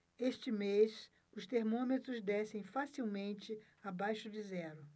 este mês os termômetros descem facilmente abaixo de zero